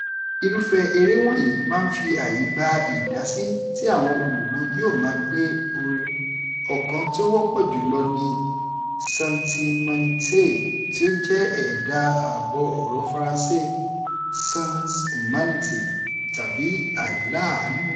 Irúfẹ́ eré wọ̀nyí máa ń fi àyè gba ìdásí, tí àwọn olùwòràn yóò máa gbe orin, ọ̀kan tí ó wọ́pọ̀ jù lọ ni "Santimanitay!", tí ó jẹ́ ẹ̀dà àbọ̀-ọ̀rọ̀ Faransé “sans humanité”, tàbí “àìláàánú”.